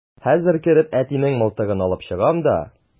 Хәзер кереп әтинең мылтыгын алып чыгам да...